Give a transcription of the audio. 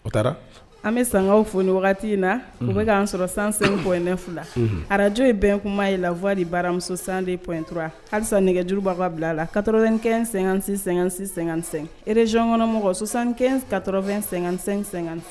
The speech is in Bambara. O an bɛ sankaw fo wagati in na o bɛka ka'an sɔrɔ sansɛ bɔyɛ fila arajo ye bɛn kuma ye la f fɔadi baramuso san de ptura halisa nɛgɛjuruba ka bila la katɔ2ɛn--sɛ-sɛ-sɛ rezykɔnɔmɔgɔsan katɔ2---sɛ